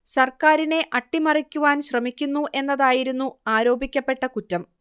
സർക്കാരിനെ അട്ടിമറിക്കുവാൻ ശ്രമിക്കുന്നു എന്നതായിരുന്നു ആരോപിക്കപ്പെട്ട കുറ്റം